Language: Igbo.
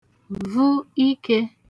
vụ ikē